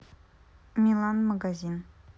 милан магазин